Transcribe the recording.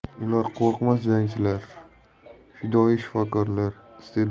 ular qo'rqmas jangchilar fidoyi shifokorlar iste'dodli